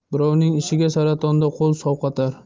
birovning ishiga saratonda qo'l sovqotar